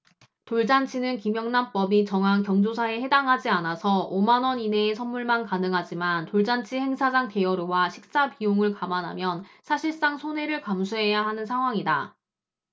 돌잔치는 김영란법이 정한 경조사에 해당하지 않아서 오 만원 이내의 선물만 가능하지만 돌잔치 행사장 대여료와 식사비용을 감안하면 사실상 손해를 감수해야 하는 상황이다